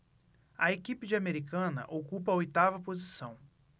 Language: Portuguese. a equipe de americana ocupa a oitava posição